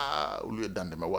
Aa olu ye dantɛmɛ wa